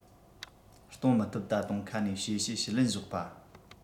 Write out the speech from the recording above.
གཏོང མི ཐུབ ད དུང ཁ ནས གཤེ གཤེ གཞུ ལན སློག པ